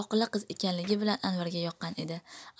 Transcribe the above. oqila qiz ekanligi bilan anvarga yoqqan edi